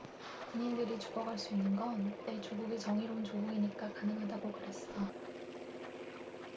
군인들이 죽어갈 수 있는 건 내 조국이 정의로운 조국이니까 가능하다고 그랬어